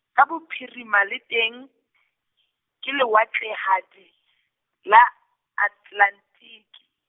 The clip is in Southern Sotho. ka bophirima le teng , ke lewatlehadi, la Atlelantiki.